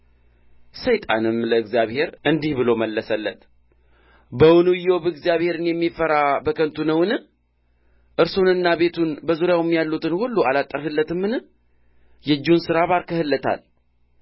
ሰይጣንም ለእግዚአብሔር እንዲህ ብሎ መለሰለት በውኑ ኢዮብ እግዚአብሔርን የሚፈራ በከንቱ ነውን እርሱንና ቤቱን በዙሪያውም ያሉትን ሁሉ አላጠርህለትምን የእጁን ሥራ ባርከህለታል